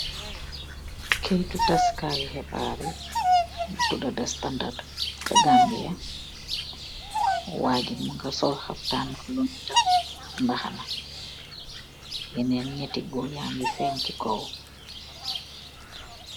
Kaiyitu tasseh kaiyi hibarri, tuda da standard ce Gambia, ameh ayyi goor.